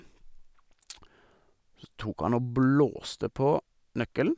Så tok han og blåste på nøkkelen.